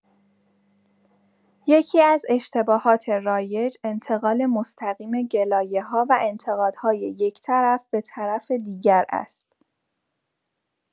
یکی‌از اشتباهات رایج، انتقال مستقیم گلایه‌ها و انتقادهای یک‌طرف به‌طرف دیگر است.